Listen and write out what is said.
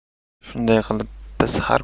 shunday qilib biz har